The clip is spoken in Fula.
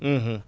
%hyum